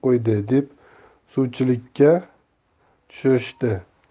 qo'ydi deb suvchilikka tushirishdi